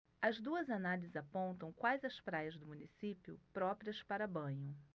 as duas análises apontam quais as praias do município próprias para banho